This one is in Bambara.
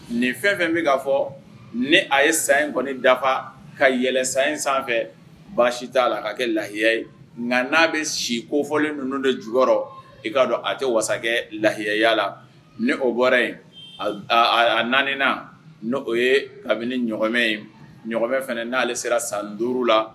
Nin fɛn fɛn bɛ'a fɔ ne a ye saya kɔni dafa kaɛlɛn sa sanfɛ baasi t'a la ka kɛ lahiya ye nka n'a bɛ si kofɔlen ninnu de ju i k'a dɔn a tɛ wa lahiyaya la ni o bɔra yen a naani o ye kabini ɲmɛ ɲmɛ fana n'ale sera san duuru la